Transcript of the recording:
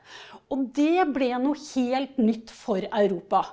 og det ble noe helt nytt for Europa.